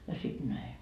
ja sitten näin